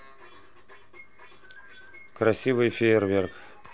красивый фейерверк